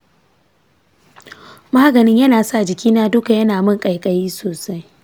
maganin yana sa jikina duka yana min ƙaiƙayi sosai.